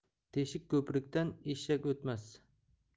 teshik ko'prikdan eshak o'tmas